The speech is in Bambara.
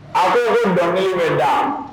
A ko ko dɔnkili bɛ da